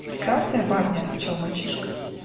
-- Прекрасная барыня, -- отвечал мальчишка